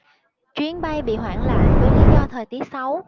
chuyến bay bị hoãn lại với lý do thời tiết xấu